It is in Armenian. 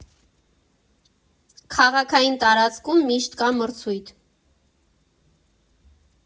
Քաղաքային տարածքում միշտ կա մրցույթ։